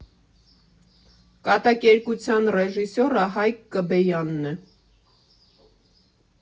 Կատակերգության ռեժիսորը Հայկ Կբեյանն է։